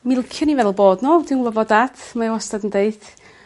Mi liciwn i feddwl bod n'w. Dwi'n gwbo dat mae o wastad yn deud